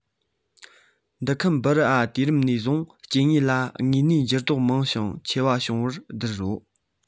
འདི ཁམ སྦི རི ཨ དུས རིམ ནས བཟུང སྐྱེ དངོས ལ དངོས གནས འགྱུར ལྡོག མང ཞིང ཆེ བ བྱུང བར བསྡུར ན